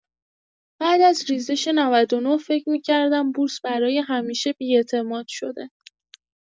بعد از ریزش ۹۹ فکر می‌کردم بورس برای همیشه بی‌اعتماد شده.